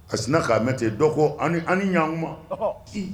Kana k'a mɛn ten dɔ ko an ni ɲkuma